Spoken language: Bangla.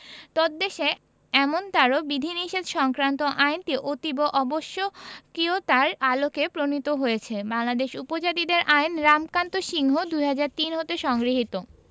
তদ্দেশে এমনতার বিধিনিষেধ সংক্রান্ত আইনটি অতীব অত্যাবশ্যকীয়তার আলোকে প্রণীত হয়েছে বাংলাদেশের উপজাতিদের আইন রামকান্ত সিংহ ২০০৩ হতে সংগৃহীত